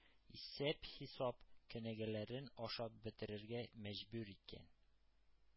Исәп-хисап кенәгәләрен ашап бетерергә мәҗбүр иткән.